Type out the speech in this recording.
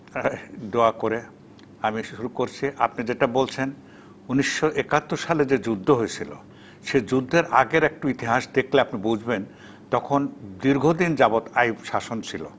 দোয়া করে আমি শুরু করছি আপনি যেটা বলছেন ১৯৭১ সালে যে যুদ্ধ হয়েছিল সে যুদ্ধের আগের একটু ইতিহাস দেখলে আপনি বুঝবেন তখন দীর্ঘদিন যাবত আইয়ুব শাসন ছিল